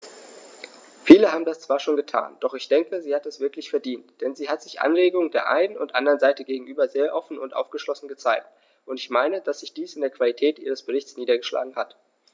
Viele haben das zwar schon getan, doch ich denke, sie hat es wirklich verdient, denn sie hat sich Anregungen der einen und anderen Seite gegenüber sehr offen und aufgeschlossen gezeigt, und ich meine, dass sich dies in der Qualität ihres Berichts niedergeschlagen hat.